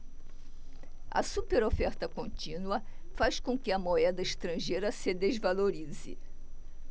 a superoferta contínua faz com que a moeda estrangeira se desvalorize